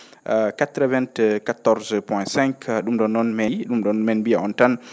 94 POINT 5 ?um ?oon noon men ?um ?oon men mbiya on tan